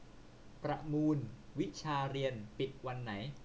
ประมูลวิชาเรียนปิดวันไหน